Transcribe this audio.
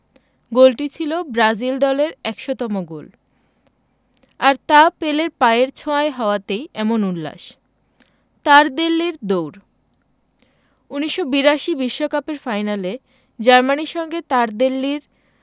গোলটি ছিল ব্রাজিল দলের ১০০তম গোল আর তা পেলের পায়ের ছোঁয়ায় হওয়াতেই এমন উল্লাস তারদেল্লির দৌড় ১৯৮২ বিশ্বকাপের ফাইনালে জার্মানির সঙ্গে তারদেল্লির